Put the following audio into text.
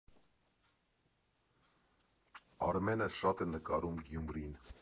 Արմենը շատ է նկարում Գյումրին։